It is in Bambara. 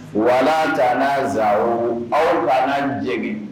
Wala taara n zana aw tuma jɛgɛ